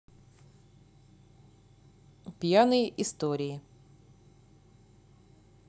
пьяные истории